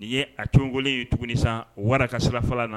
Nin ye a cokolonlen ye tugunisa wara ka sira fara na